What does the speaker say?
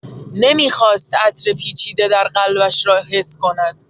نمی‌خواست عطر پیچیده در قلبش را حس کند.